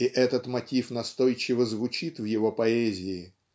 и этот мотив настойчиво звучит в его поэзии.